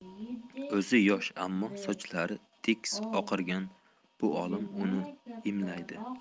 uzi yosh ammo sochlari tekis oqargan bu olim uni imlaydi